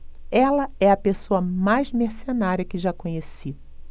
ela é a pessoa mais mercenária que já conheci